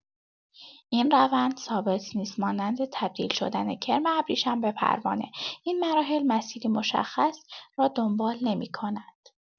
این روند ثابت نیست، مانند تبدیل‌شدن کرم ابریشم به پروانه، این مراحل مسیری مشخص را دنبال نمی‌کنند.